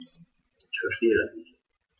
Ich verstehe das nicht.